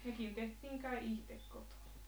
nekin tehtiin kai itse kotona